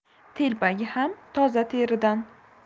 telpagi ham toza teridan